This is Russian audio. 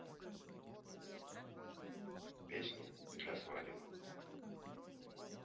песни для свадеб